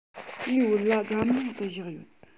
ངའི བོད ལྭ སྒམ ནང དུ བཞག ཡོད